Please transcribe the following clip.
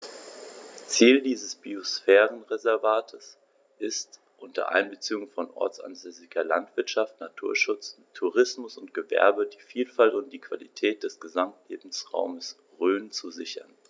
Ziel dieses Biosphärenreservates ist, unter Einbeziehung von ortsansässiger Landwirtschaft, Naturschutz, Tourismus und Gewerbe die Vielfalt und die Qualität des Gesamtlebensraumes Rhön zu sichern.